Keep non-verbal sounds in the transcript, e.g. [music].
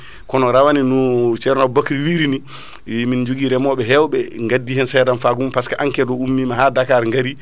[breath] kono rawane no cerno Aboubacry wirini [breath] [hesitation] min joogui reemoɓe hewɓe gaddi hen sedanfagu mum parceque enquête o ummi ma ha Dakar gari